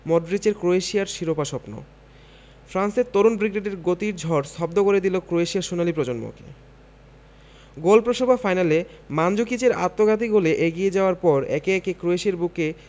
মডরিচের ক্রোয়েশিয়ার শিরোপা স্বপ্ন ফ্রান্সের তরুণ ব্রিগেডের গতির ঝড় স্তব্ধ করে দিল ক্রোয়েশিয়ার সোনালি প্রজন্মকে গোলপ্রসবা ফাইনালে মানজুকিচের আত্মঘাতী গোলে এগিয়ে যাওয়ার পর একে একে ক্রোয়েশিয়ার বুকে